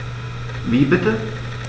Wie bitte?